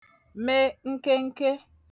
me nkenke